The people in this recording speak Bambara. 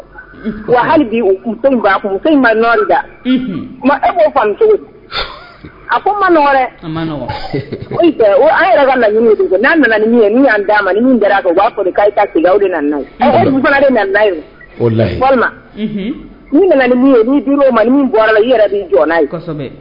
Wa hali ma da eo yɛrɛ'a ma u b'a fɔ nana o ma bɔra la yɛrɛ